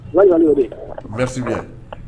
merci bien